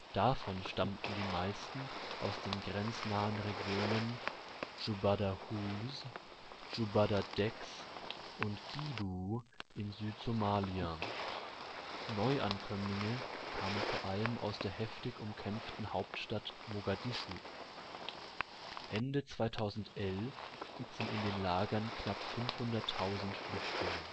Davon stammten die meisten aus den grenznahen Regionen Jubbada Hoose, Jubbada Dhexe und Gedo in Südsomalia, Neuankömmlinge kamen vor allem aus der heftig umkämpften Hauptstadt Mogadischu. Ende 2011 sind in den Lagern knapp 500.000 Flüchtlinge